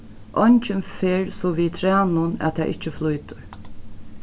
eingin fer so við trænum at tað ikki flýtur